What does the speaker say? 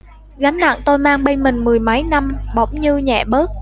gánh nặng tôi mang bên mình mười mấy năm bỗng như nhẹ bớt